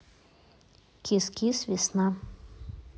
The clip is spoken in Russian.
кис кис весна